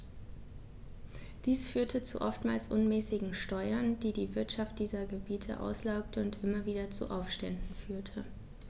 Dies führte zu oftmals unmäßigen Steuern, die die Wirtschaft dieser Gebiete auslaugte und immer wieder zu Aufständen führte.